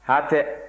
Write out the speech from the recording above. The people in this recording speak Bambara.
hatɛ